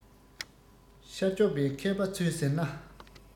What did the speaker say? ཤར ཕྱོགས པའི མཁས པ ཚོས ཟེར ན